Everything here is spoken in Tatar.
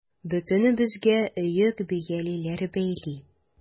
Бөтенебезгә оек-биялиләр бәйли.